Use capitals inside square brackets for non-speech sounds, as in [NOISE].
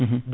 [HESITATION] [HESITATION]